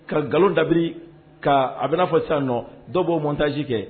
Ka nkalonl dabiri k'a a bɛ n'a fɔ sisan nɔ dɔw b'o montage kɛ